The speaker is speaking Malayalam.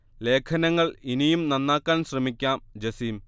ലേഖനങ്ങൾ ഇനിയും നന്നാക്കാൻ ശ്രമിക്കാം ജസീം